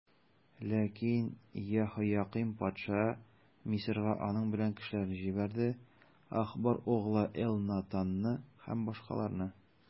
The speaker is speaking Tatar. Ләкин Яһоякыйм патша Мисырга аның белән кешеләрне җибәрде: Ахбор углы Элнатанны һәм башкаларны.